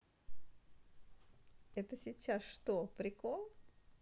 это сейчас что прикол